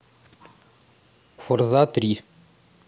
форза три